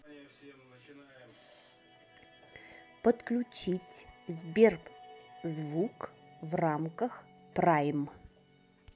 подключить сберзвук в рамках прайм